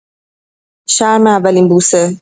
شرم اولین بوسه